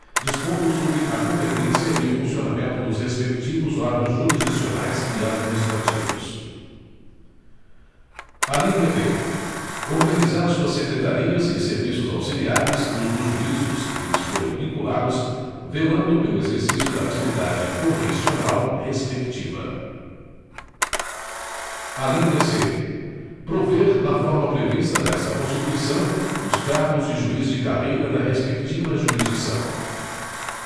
dispondo sobre a competência e o funcionamento dos respectivos órgãos jurisdicionais e administrativos alínea b organizar suas secretarias e serviços auxiliares e os dos juízos que lhes forem vinculados velando pelo exercício da atividade correicional respectiva alínea c prover na forma prevista nesta constituição os cargos de juiz de carreira da respectiva jurisdição